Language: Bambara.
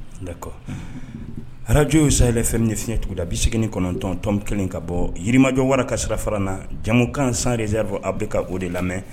D'accord radio ye sayɛli FM ye fiyɛn tuguda 89.1 ka bɔ Yirimajɔ Wara ka sirafara na jɛmumukan sans réserve aw bɛ ka o de lamɛn.